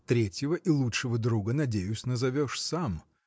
– Третьего и лучшего друга, надеюсь, назовешь сам.